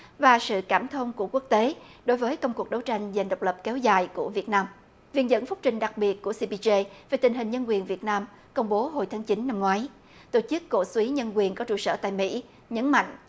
và sự cảm thông của quốc tế đối với công cuộc đấu tranh giành độc lập kéo dài của việt nam viện dẫn phúc trình đặc biệt của si bi dây về tình hình nhân quyền việt nam công bố hồi tháng chín năm ngoái tổ chức cổ súy nhân quyền có trụ sở tại mỹ nhấn mạnh